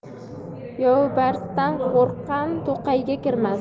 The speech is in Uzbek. yoibarsdan qo'rqqan to'qayga kirmas